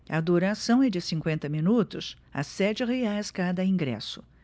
a duração é de cinquenta minutos a sete reais cada ingresso